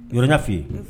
Yarɔ n y'a f'u ye.